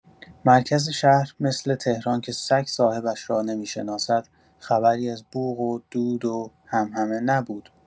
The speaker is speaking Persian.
مرکز شهر مثل تهران که سگ صاحبش را نمی‌شناسد، خبری از بوق و دود و همهمه نبود.